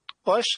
Oes?